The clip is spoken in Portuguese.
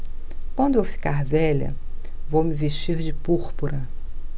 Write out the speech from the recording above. quando eu ficar velha vou me vestir de púrpura